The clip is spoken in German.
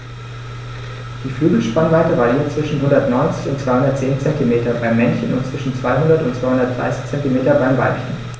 Die Flügelspannweite variiert zwischen 190 und 210 cm beim Männchen und zwischen 200 und 230 cm beim Weibchen.